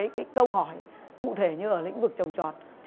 cái cái câu hỏi cụ thể như ở lĩnh vực trồng trọt